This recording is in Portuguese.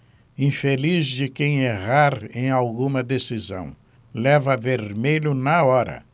infeliz de quem errar em alguma decisão leva vermelho na hora